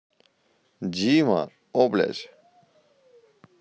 dima о блядь